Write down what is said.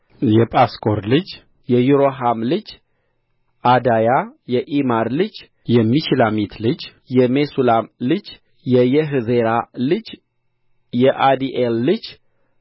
የጳስኮር ልጅ የይሮሐም ልጅ ዓዳያ የኢሜር ልጅ የምሺላሚት ልጅ የሜሱላም ልጅ የየሕዜራ ልጅ የዓዲኤል ልጅ